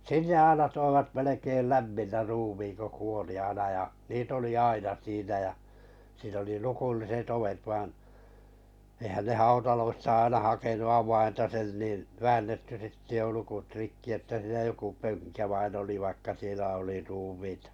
sinne aina toivat melkein lämpimänä ruumiin kun kuoli aina ja niitä oli aina siinä ja siinä oli lukolliset ovet vaan eihän ne hautaloista aina hakenut avainta sen niin väännetty sitten jo lukot rikki että siinä joku pönkä vain oli vaikka siellä oli ruumiita